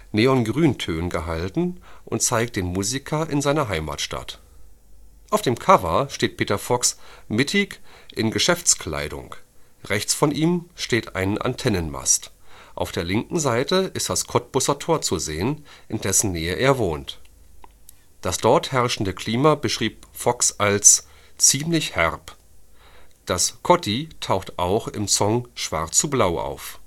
Neongrüntönen gehalten und zeigt den Musiker in seiner Heimatstadt. Auf dem Cover steht Peter Fox mittig in Geschäftskleidung. Rechts von ihm steht ein Antennenmast; auf der linken Seite ist das Kottbusser Tor zu sehen, in dessen Nähe er wohnt. Das dort herrschende Klima beschreibt Fox als „ ziemlich herb “. Das „ Kotti “taucht auch im Song Schwarz zu blau auf